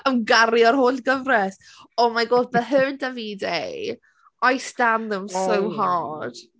Am gario'r holl gyfres. Oh my God, but her and Davide, I stan them... Aw! ...so hard.